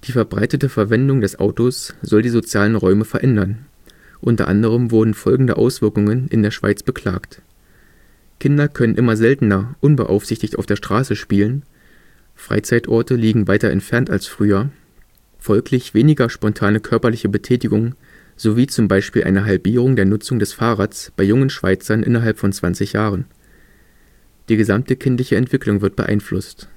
verbreitete Verwendung des Autos soll die sozialen Räume verändern – u. a. wurden folgende Auswirkungen in der Schweiz beklagt: Kinder können immer seltener unbeaufsichtigt auf der Straße spielen; Freizeit-Orte liegen weiter entfernt als früher; folglich weniger spontane körperliche Betätigung, sowie zum Beispiel eine Halbierung der Nutzung des Fahrrades bei jungen Schweizern innerhalb von 20 Jahren. Die gesamte kindliche Entwicklung wird beeinflusst